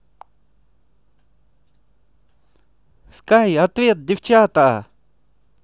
sky ответ девчата